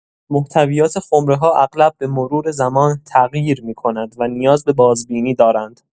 محتویات خمره‌ها اغلب به‌مرور زمان تغییر می‌کنند و نیاز به بازبینی دارند.